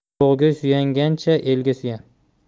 ulug'ga suyangancha elga suyan